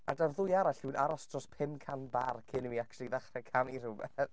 A 'da'r ddwy arall dwi'n aros dros pum cant bar cyn i fi actually ddechrau canu rywbeth .